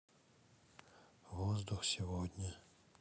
воздух сегодня